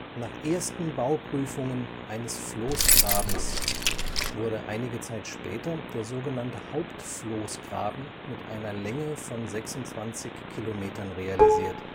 Nach ersten Bauprüfungen eines Floßgrabens wurde einige Zeit später der sogenannte Hauptfloßgraben mit einer Länge von 26 Kilometern realisiert